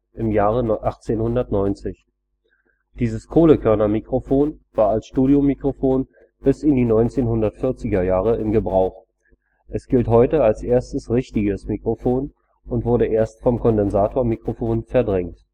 im Jahre 1890. Dieses „ Kohlekörner-Mikrofon “war als Studiomikrofon bis in die 1940er Jahre in Gebrauch; es gilt heute als erstes „ richtiges “Mikrofon und wurde erst vom Kondensatormikrofon verdrängt